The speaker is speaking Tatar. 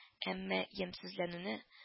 Әмма ямьсезләнүне